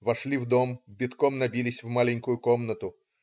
Вошли в дом, битком набились в маленькую комнату.